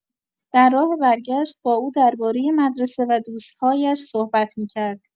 در راه برگشت، با او دربارۀ مدرسه و دوست‌هایش صحبت می‌کرد.